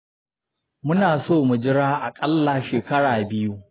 muna son mu jira aƙalla shekara biyu.